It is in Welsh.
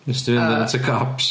Wnest ti fynd at y cops?